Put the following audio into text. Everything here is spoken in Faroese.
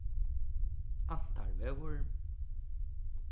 antarvegur